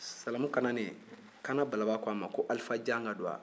salamu kananen kaana balaba ko a ma ko alifa janga don wa